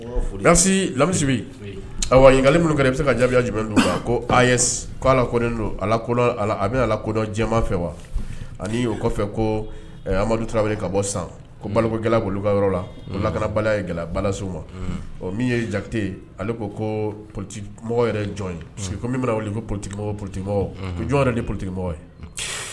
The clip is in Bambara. Mi wagali minnu i bɛ se ka jaabiya jumɛn ko don a bɛ ala kodɔn jɛma fɛ wa ani' kɔfɛ ko amadu tarawele ka bɔ sanka yɔrɔ la bala balalaso ma min ye jate ale ko ko pmɔgɔ yɛrɛ jɔn weele ko pote porote jɔn yɛrɛ de porotemɔgɔ ye